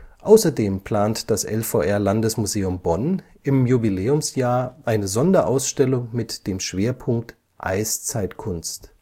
Außerdem plant das LVR-Landesmuseum Bonn im Jubiläumsjahr eine Sonderausstellung mit dem Schwerpunkt Eiszeitkunst